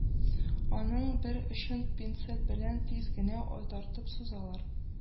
Аның бер очын пинцет белән тиз генә тартып сузалар